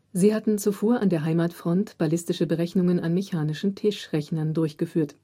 Sie hatten zuvor an der Heimatfront ballistische Berechnungen an mechanischen Tischrechnern durchgeführt